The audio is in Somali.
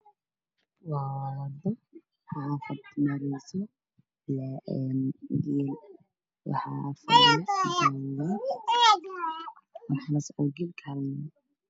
Waa waddo wax ka muuqda geel farabadan iyo kaare iyo nin taagan